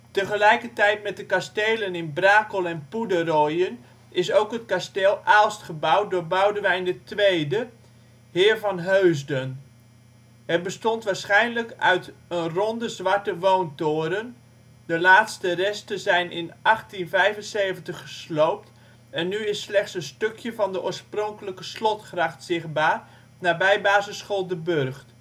Tegelijkertijd met de kastelen in Brakel en Poederoijen is ook het Kasteel Aalst gebouwd door Boudewijn de tweede, heer van Heusden. Het bestond waarschijnlijk uit een ronde zware woontoren. De laatste resten zijn in 1875 gesloopt en nu is slechts nog een stukje van de oorspronkelijke slotgracht zichtbaar nabij basisschool " De Burcht